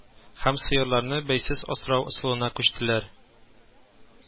Һәм сыерларны бәйсез асрау ысулына күчтеләр